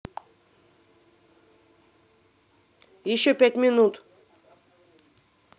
еще пять минут